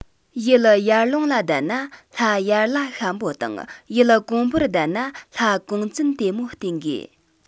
ཡུལ ཡར ཀླུང ལ བསྡད ན ལྷ ཡར ལྷ ཤམ པོ དང ཡུལ ཀོང པོར བསྡད ན ལྷ ཀོང བཙུན དེ མོ བསྟེན དགོས